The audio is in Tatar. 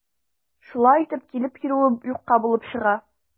Шулай итеп, килеп йөрүе юкка булып чыга.